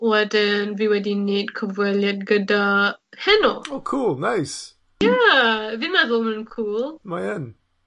Wedyn fi wedi neud cyfweliad gyda heno. O cŵl, neis. Ie! fi'n meddwl ma nw'n cŵl. Mae yn.